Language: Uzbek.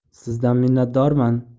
sizdan minnatdorman